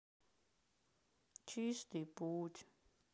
чистый путь